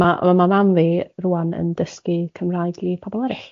Ma' o- ma' ma' mam fi rŵan yn dysgu Cymraeg i pobl erill.